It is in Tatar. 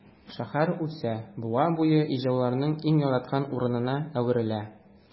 Шәһәр үсә, буа буе ижауларның иң яраткан урынына әверелә.